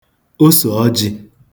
osòọjị̄